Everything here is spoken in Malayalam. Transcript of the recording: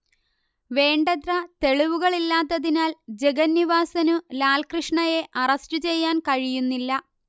വേണ്ടത്ര തെളിവുകളില്ലാത്തതിനാൽ ജഗന്നിവാസനു ലാൽകൃഷ്ണയെ അറസ്റ്റു ചെയ്യാൻ കഴിയുന്നില്ല